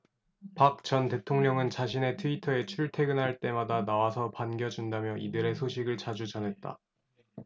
박 전 대통령은 자신의 트위터에 출퇴근할 때마다 나와서 반겨준다며 이들의 소식을 자주 전했다